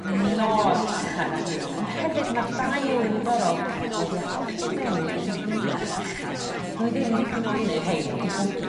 mor llachar arnyn n'w ond hefyd ma'r dail yn ddiddorol ond i adal i chi mewn i gyfrinach fychan dwi ddim 'di plannu rhein o gwbwl.